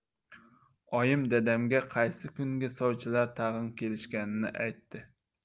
oyim dadamga qaysi kungi sovchilar tag'in kelishganini aytdi